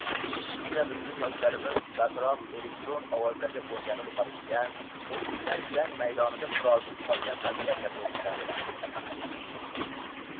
buning ustiga bizning yoshlarimiz baqiroq elektron ovozlarga o'rganib qolishgan qo'shiqchilar jang maydonida qurolsiz qolgan askarlarga o'xshardilar